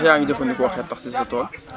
ndax yaa ngi jëfandikoo xetax si sa tool